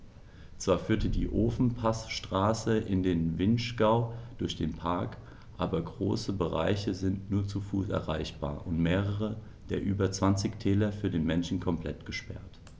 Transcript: Zwar führt die Ofenpassstraße in den Vinschgau durch den Park, aber große Bereiche sind nur zu Fuß erreichbar und mehrere der über 20 Täler für den Menschen komplett gesperrt.